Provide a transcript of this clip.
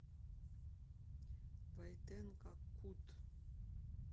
войтенко cut